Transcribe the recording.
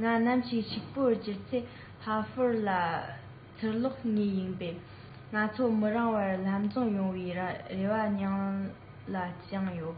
ང ནམ ཞིག ཕྱུག པོར འགྱུར ཚེ ཧྭ ཧྥོར དུ ཚུར ལོག ངེས ཡིན པས ང ཚོ མི རིང བར ལྷན འཛོམས ཡོང བའི རེ བ སྙིང ལ བཅངས ཡོད